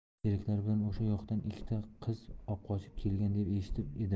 sheriklari bilan o'sha yoqdan ikkita qiz obqochib kelgan deb eshitib edim